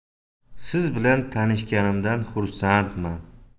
siz bilan tanishganimdan xursandman